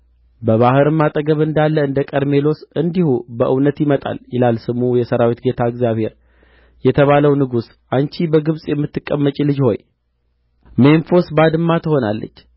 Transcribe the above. በባሕርም አጠገብ እንዳለ እንደ ቀርሜሎስ እንዲሁ በእውነት ይመጣል ይላል ስሙ የሠራዊት ጌታ እግዚአብሔር የተባለው ንጉሥ አንቺ በግብጽ የምትቀመጪ ልጅ ሆይ ሜምፎስ ባድማ ትሆናለችና